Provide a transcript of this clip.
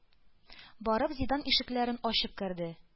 Барып зиндан ишекләрен ачып керде,